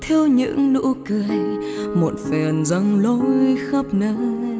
thiếu những nụ cười muộn phiền giăng lôi khắp nơi